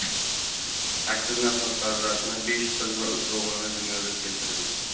sakkiz nafar farzandni besh qiz va uch o'g'ilni dunyoga keltirgan